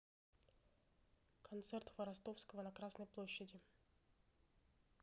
концерт хворостовского на красной площади